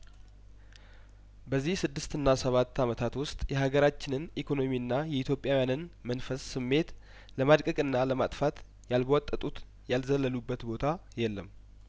በዚህ ስድስትና ሰባት አመታት ውስጥ የሀገራችንን ኢኮኖሚና የኢትዮጵያዊያንን መንፈስ ስሜት ለማድቀቅና ለማጥፋት ያልቧጠጡት ያልዘለሉበት ቦታ የለም